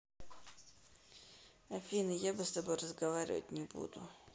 афина я бы с тобой разговаривать не буду